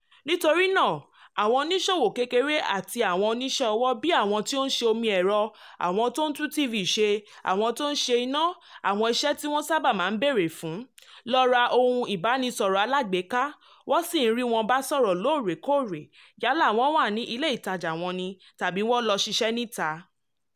Nítorí náà, àwọn oníṣòwò kékeré àti àwọn oníṣẹ́ ọwọ́ bí àwọ́n tó ń ṣe omi ẹ̀rọ / àwọn tó ń tún TV ṣe / àwọn tó ń se iná (àwọn iṣẹ́ tí wọ́n sábà máa bèrè fún) lọ ra ohun ìbánisọ̀rọ̀ alágbéká, wọ́n sì ń rí wọn bá sọ̀rọ̀ lore-kóòrè yálà wọ́n wà ní ilé ìtajà wọn ni tàbí wọn lọ ṣiṣẹ́ níta.